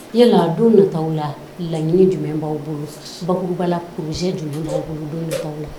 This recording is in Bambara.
Yala don nana'aw la laɲiniinɛ jumɛn b'aw bolobaba la kuru jumɛn b'aw bolo don b'aw bolo